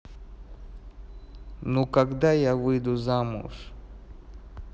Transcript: ну когда я выйду замуж